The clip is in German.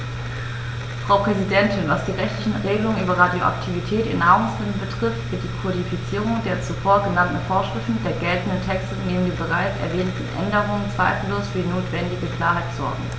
Frau Präsidentin, was die rechtlichen Regelungen über Radioaktivität in Nahrungsmitteln betrifft, wird die Kodifizierung der zuvor genannten Vorschriften der geltenden Texte neben den bereits erwähnten Änderungen zweifellos für die notwendige Klarheit sorgen.